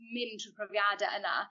mynd trw profiade yna